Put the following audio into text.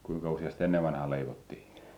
kuinka useasti ennen vanhaan leivottiin